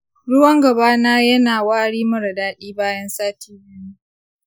ruwan gaba na yana wari mara daɗi bayan sati biyu